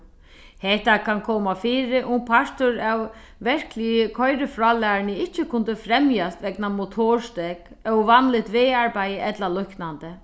hetta kann koma fyri um partur av verkligu koyrifrálæruni ikki kundi fremjast vegna motorsteðg óvanligt vegarbeiði ella líknandi